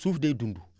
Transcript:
suuf day dund